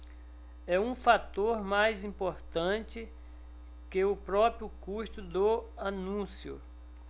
é um fator mais importante que o próprio custo do anúncio